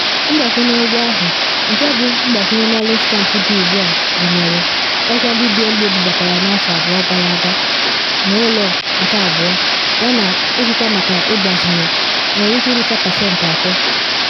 Mgbakwunye ụgwọ ahụ - nke bụ mgbakwunye n’ọrụ stampụ dị ugbu a, gụnyere ọkwa ndị dị elu ebubatara n’afọ abụọ gara aga n’ụlọ nke abụọ yana ịzụta-maka-ịgbazinye - nwere ike irucha pasentị atọ.